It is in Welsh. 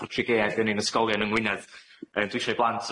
Portiwgeaidd yn ein ysgolion yng Ngwynedd yym dwi sho i blant